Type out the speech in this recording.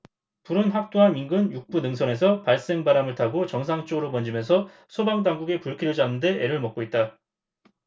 불은 학도암 인근 육 부 능선에서 발생 바람을 타고 정상 쪽으로 번지면서 소방당국이 불길을 잡는 데 애를 먹고 있다